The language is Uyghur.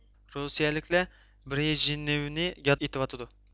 روسىيىلىكلەر بېرېژنېۋنى ياد ئېتىۋاتىدۇ